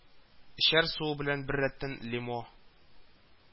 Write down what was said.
Эчәр суы белән беррәттән лимо